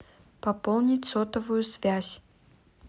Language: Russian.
пополнить сотовую связь